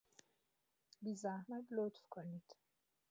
بی‌زحمت لطف کنید